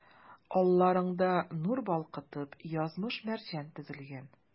Алларыңда, нур балкытып, язмыш-мәрҗән тезелгән.